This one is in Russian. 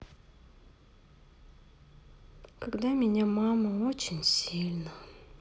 когда меня мама очень сильно